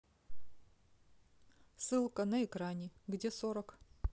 ссылка на экране где сорок